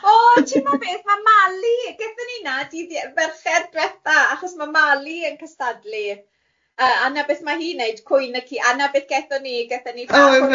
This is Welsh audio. O timod beth ma Mali, gethon ni yna dydd Ie- Fercher dwetha achos ma Mali yn cystadlu yy a' na beth ma hi'n neud cwyn y ci a na beth gethon ni gethon ni fath... O reit.